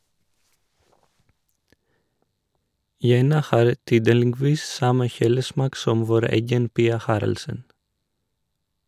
Jenna har tydeligvis samme kjolesmak som vår egen Pia Haraldsen.